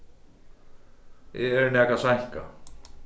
eg eri nakað seinkað